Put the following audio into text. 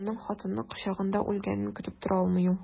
Аның хатыны кочагында үлгәнен көтеп тора алмый ул.